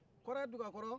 kɔrɛ dugakɔrɔ